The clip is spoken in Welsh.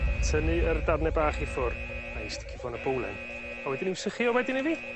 a tynnu yr darne bach i ffwr' a'i sticio fo yn y bowlen a wedyn i'w sychi o wedyn ni fi?